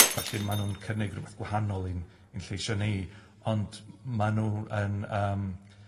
Felly ma' nw'n cynnig rwbeth gwahanol i'n i'n lleisia' ni, ond ma' nw yn yym